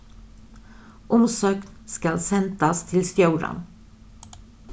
umsókn skal sendast til stjóran